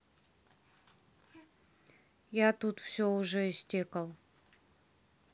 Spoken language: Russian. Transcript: я тут все уже истекал